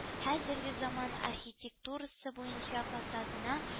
Хәзерге заман архитектурасы буенча фасадына